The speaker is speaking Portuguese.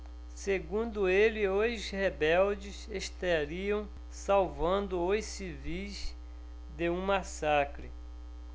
segundo ele os rebeldes estariam salvando os civis de um massacre